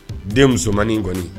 Den musomanmaninin kɔni